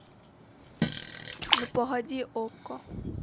ну погоди окко